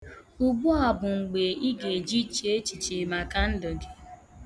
Ugbua bụ mgbe ị ga-eji chee echiche maka ndụ gị.